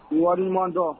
Wariɲuman dɔn